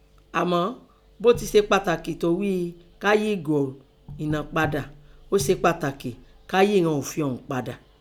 Àmọ́, bọ́ tẹ se pàtàkì tó ghíi ká yí ìngo ẹná padà, ọ́ se pàtàkì ká yí ìnan òfi ọ̀ún padà.